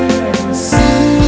xưa